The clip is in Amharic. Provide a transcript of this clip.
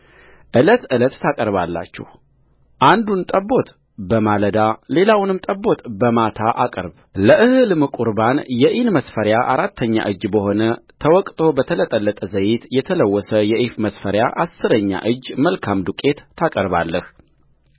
ዕለት ዕለት ታቀርባላችሁአንዱን ጠቦት በማለዳ ሌላውንም ጠቦት በማታ አቅርብለእህልም ቍርባን የኢን መስፈሪያ አራተኛ እጅ በሆነ ተወቅጦ በተጠለለ ዘይት የተለወሰ የኢፍ መስፈሪያ አሥረኛ እጅ መልካም ዱቄት ታቀርባለህ